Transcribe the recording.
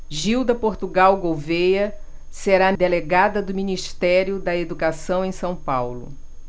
gilda portugal gouvêa será delegada do ministério da educação em são paulo